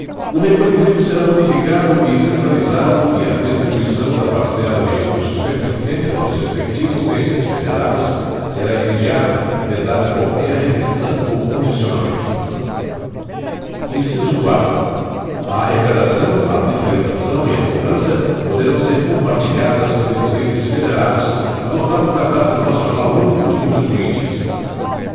o recolhimento será unificado e centralizado e a distribuição da parcela de recursos pertencentes aos respectivos entes federados será imediata vedada qualquer retenção ou condicionamento inciso quatro a arrecadação a fiscalização e a cobrança poderão ser compartilhadas pelos entes federados adotado cadastro nacional único de contribuintes